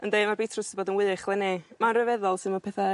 Yndi ma' beetroots 'di bod yn wych leni. Ma'n ryfeddol su' ma pethe'